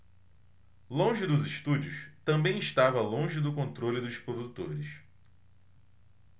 longe dos estúdios também estava longe do controle dos produtores